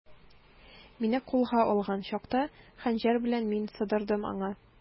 Мине кулга алган чакта, хәнҗәр белән мин сыдырдым аңа.